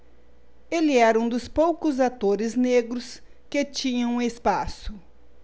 ele era um dos poucos atores negros que tinham espaço